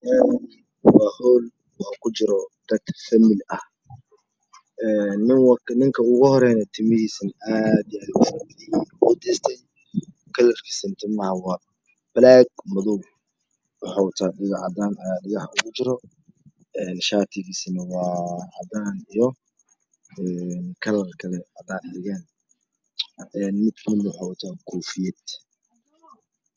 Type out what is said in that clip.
Waa hool oo ku jira dad famil ah een nin wato ninka oogu horeeyo timahiisana waa aad iyo aad yuu udaystay karalkiisana waa black waa madow wuxuu wataa dhago cadaan ayaa dhagaha ooga jiro een shaatigiisana waa cadaan iyo een kalar kale cadaan xigeen ah een mid kale wuxuu wataa koofiyad